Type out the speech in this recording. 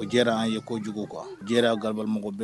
O diyara an ye kojugu quoi a diyara garabali mɔgɔ bɛɛ!